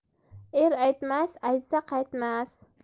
er aytmas aytsa qaytmas